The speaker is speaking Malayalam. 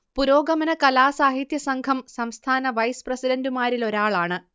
പുരോഗമന കലാ സാഹിത്യ സംഘം സംസ്ഥാന വൈസ് പ്രസിഡന്റുമാരിലൊരാളാണ്